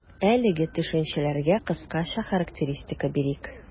Әлеге төшенчәләргә кыскача характеристика бирик.